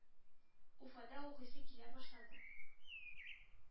Уфада укыйсы килә башлады.